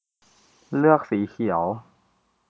เลือกสีเขียว